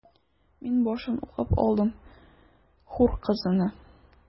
Мин башын укып алдым: “Хур кызына”.